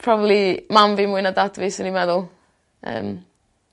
Probably mam fi mwy na dad fi swn i meddwl. Yym.